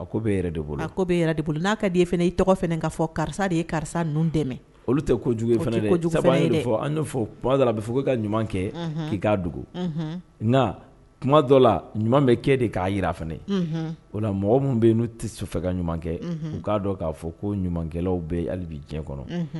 A ko bɛ de bolo a ko bɛ de bolo n' ka e fana i tɔgɔ fɛ ka fɔ karisa de ye karisa ninnu dɛmɛ olu tɛ ko kojugu fana fɔ an fɔ kumada bɛ fɔ' ka ɲuman kɛ k''a dugu nka kuma dɔ la ɲuman bɛ kɛ de k'a jira fana o la mɔgɔ minnu bɛ yen n'u tɛ fɛ ka ɲumankɛ u'a dɔn k'a fɔ ko ɲumankɛlaw bɛ hali bi diɲɛ kɔnɔ